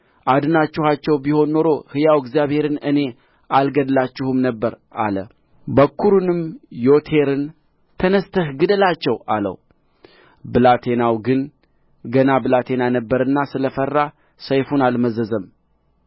አድናችኋቸው ቢሆን ኖሮ ሕያው እግዚአብሔርን እኔ አልገድላችሁም ነበር አለ በኵሩንም ዬቴርን ተነሥተህ ግደላቸው አለው ብላቴናው ግን ገና ብላቴና ነበረና ስለ ፈራ ሰይፉን አልመዘዘም